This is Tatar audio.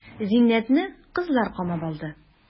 Зиннәтне кызлар камап алды.